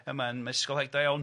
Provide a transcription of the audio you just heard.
A ma'n mae ysgolhaig da iawn.